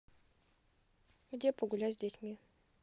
где погулять с детьми